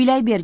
kuylay ber